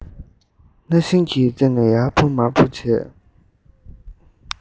ན ཤིང གི རྩེ ནས ཡར འཕུར མར འཕུར བྱེད